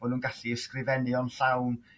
bo' n'w'n gallu ysgrifennu o'n llawn?